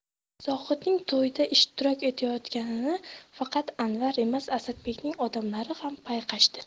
zohidning to'yda ishtirok etayotganini faqat anvar emas asadbekning odamlari ham payqashdi